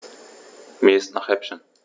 Mir ist nach Häppchen.